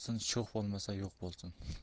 sho'x bo'lmasa yo'q bo'lsin